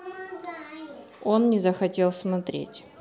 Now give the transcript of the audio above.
он не захотел смотреть